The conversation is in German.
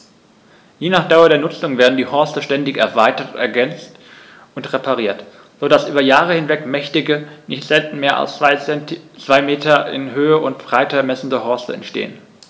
Je nach Dauer der Nutzung werden die Horste ständig erweitert, ergänzt und repariert, so dass über Jahre hinweg mächtige, nicht selten mehr als zwei Meter in Höhe und Breite messende Horste entstehen.